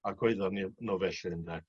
Agweuddon ni w- n'w felly ynde.